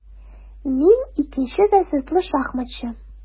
Мин - икенче разрядлы шахматчы.